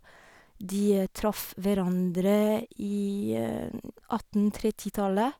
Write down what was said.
De traff hverandre i atten trettitallet.